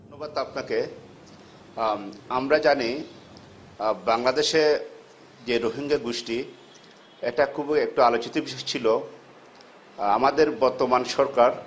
ধন্যবাদ আপনাকে আমরা জানি বাংলাদেশে যে রোহিঙ্গা গোষ্ঠী একটা খুবই আলোচিত বিষয় ছিল আমাদের বর্তমান সরকার